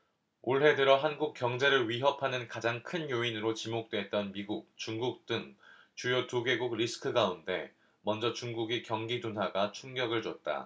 올해 들어 한국 경제를 위협하는 가장 큰 요인으로 지목됐던 미국 중국 등 주요 두 개국 리스크 가운데 먼저 중국의 경기 둔화가 충격을 줬다